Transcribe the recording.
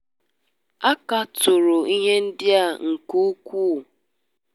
A katọrọ ihe ndị a nke ukwuu.